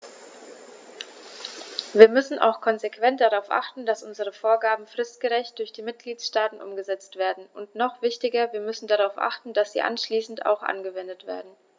Wir müssen auch konsequent darauf achten, dass unsere Vorgaben fristgerecht durch die Mitgliedstaaten umgesetzt werden, und noch wichtiger, wir müssen darauf achten, dass sie anschließend auch angewendet werden.